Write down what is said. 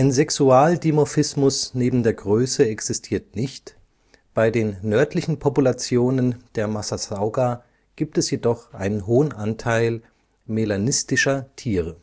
Sexualdimorphismus neben der Größe existiert nicht, bei den nördlichen Populationen der Massassauga gibt es jedoch einen hohen Anteil melanistischer Tiere